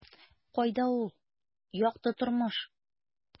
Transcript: Кайда ул - якты тормыш? ..